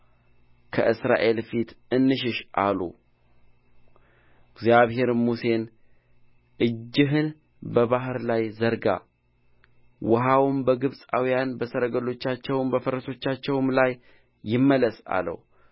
ከእስራኤል ፊት እንሽሽ አሉ እግዚአብሔርም ሙሴን እጅህን በባሕሩ ላይ ዘርጋ ውኃውም በግብፃውያን በሰረገሎቻቸውም በፈረሰኞቻቸውም ላይ ይመለስ አለው